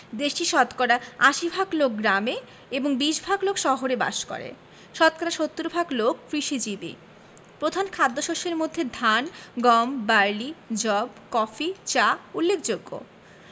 দেশটির শতকরা ৮০ ভাগ লোক গ্রামে এবং ২০ ভাগ লোক শহরে বাস করে শতকরা ৭০ ভাগ লোক কৃষিজীবী প্রধান খাদ্যশস্যের মধ্যে ধান গম বার্লি যব কফি চা উল্লেখযোগ্য